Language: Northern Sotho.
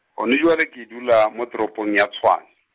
gona bjale ke dula, mo toropong ya Tshwane.